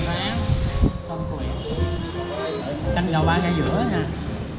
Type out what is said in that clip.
nem ráng tôm cua biển canh cậu ngay giữa hình đó nha